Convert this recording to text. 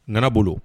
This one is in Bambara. Nana bolo